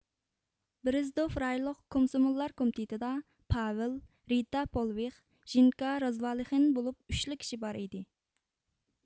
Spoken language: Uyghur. بىرىزدوف رايونلۇق كومسوموللار كومىتېتىدا پاۋېل رىتا پولېۋىخ ژېنكا رازۋالىخىن بولۇپ ئۈچلا كىشى بار ئىدى